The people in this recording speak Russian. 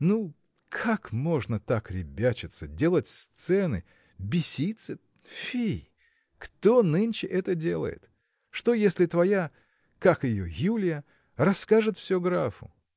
Ну, как можно так ребячиться, делать сцены. беситься? фи! Кто нынче это делает? Что, если твоя. как ее? Юлия. расскажет все графу?